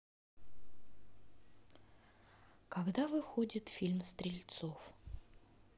когда выходит фильм стрельцов